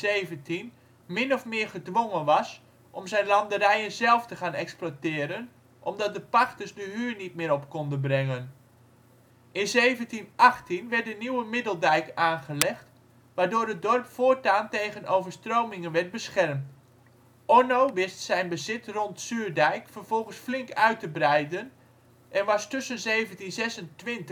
1717 min of meer gedwongen was om zijn landerijen zelf te gaan exploiteren omdat de pachters de huur niet meer op konden brengen. In 1718 werd de nieuwe Middeldijk aangelegd, waardoor het dorp voortaan tegen overstromingen werd beschermd. Onno wist zijn bezit rond Zuurdijk vervolgens flink uit te breiden en was tussen 1726